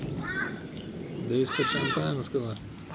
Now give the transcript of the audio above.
да из под шампанского